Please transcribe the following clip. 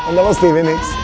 men det var Stevie Nicks.